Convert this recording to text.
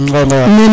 Ngoyé Mbayar